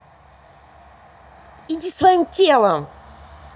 иди своим телом